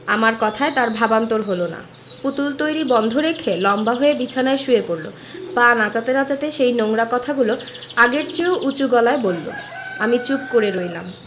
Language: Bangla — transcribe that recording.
আমার কথায় তার ভাবান্তর হলো না পুতুল তৈরী বন্ধ রেখে লম্বা হয়ে বিছানায় শুয়ে পড়লো পা নাচাতে নাচাতে সেই নোংরা কথাগুলি আগের চেয়েও উচু গলায় বললো আমি চুপ করে রইলাম